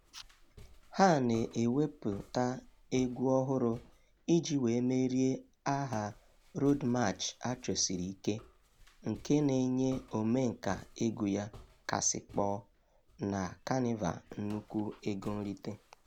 Ha na-ewepụta egwu ọhụrụ iji wee merie aha Road March a chọsiri ike, nke na-enye omenka egwu ya kasị kpọọ na Kanịva nnukwu ego nrite.